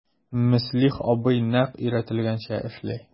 Мөслих абый нәкъ өйрәтелгәнчә эшли...